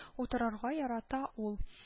Утырырга ярата ул